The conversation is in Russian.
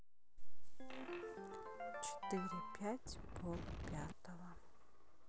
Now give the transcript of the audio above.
четыре пять пол пятого